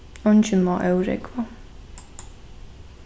eingin má órógva